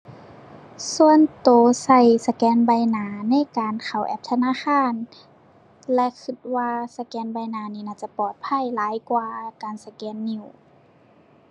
ส่วนตัวตัวสแกนใบหน้าในการเข้าแอปธนาคาร และตัวว่าสแกนใบหน้านี้ น่าจะปลอดภัยหลายกว่าการสแกนนิ้ว